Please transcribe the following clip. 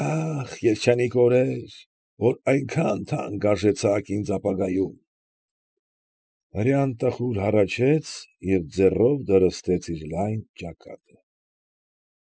Ա՜խ, երջանիկ օրեր, որ այնքան թանկ արժեցաք ինձ ապագայում… Հրեան տխուր հառաչեց և ձեռով դրստեց իր լայն ճակատը։